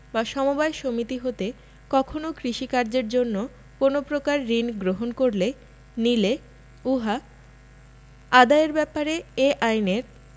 বা সমবায় সমিতি হতে কখনো কৃষি কার্যের জন্য কোন প্রকার ঋণ গ্রহণ করলে নিলে উহা আদায়ের ব্যাপারে এ আইনের